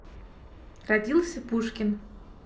родился пушкин